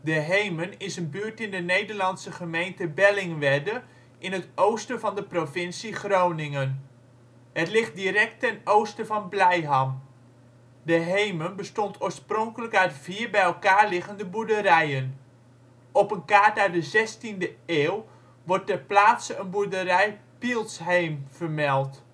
Heemen is een buurt in de Nederlandse gemeente Bellingwedde in het oosten van de provincie Groningen. Het ligt direct ten oosten van Blijham. De Heemen bestond oorspronkelijk uit vier bij elkaar liggende boerderijen. Op een kaart uit de zestiende eeuw wordt ter plaatse een boerderij Pielzheem vermeld